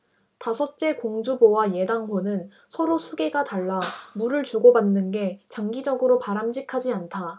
다섯째 공주보와 예당호는 서로 수계가 달라 물을 주고받는 게 장기적으로 바람직하지 않다